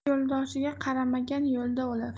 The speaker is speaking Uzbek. yo'ldoshiga qaramagan yo'lda o'lar